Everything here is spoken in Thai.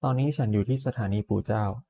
ตอนนี้ฉันอยู่ที่สถานีปู่เจ้า